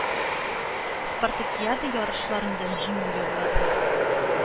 Спартакиада ярышларында җиңү яуладылар.